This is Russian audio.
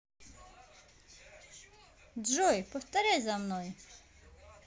джой повторяй за мной